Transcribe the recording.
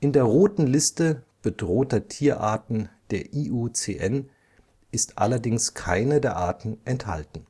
der Roten Liste bedrohter Tierarten der IUCN ist allerdings keine der Arten enthalten